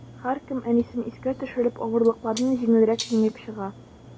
Һәркем, әнисен искә төшереп, авырлыкларны җиңелрәк җиңеп чыга.